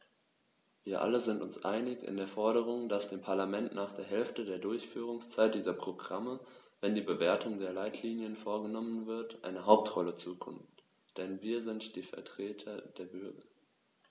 Wir alle sind uns einig in der Forderung, dass dem Parlament nach der Hälfte der Durchführungszeit dieser Programme, wenn die Bewertung der Leitlinien vorgenommen wird, eine Hauptrolle zukommt, denn wir sind die Vertreter der Bürger.